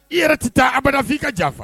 I yɛrɛ tɛ taa abada f'i ka janfa